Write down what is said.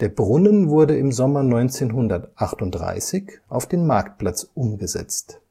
Brunnen wurde im Sommer 1938 auf den Marktplatz umgesetzt